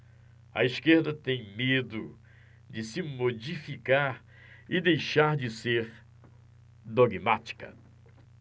a esquerda tem medo de se modificar e deixar de ser dogmática